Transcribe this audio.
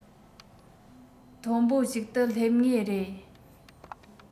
མཐོན པོ ཞིག ཏུ སླེབས ངེས རེད